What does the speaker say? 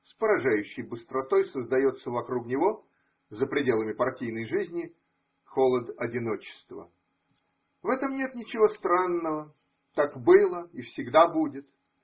С поражающей быстротой создается вокруг него – за пределами партийной жизни – холод одиночества. В этом нет ничего странного. Так было и всегда будет.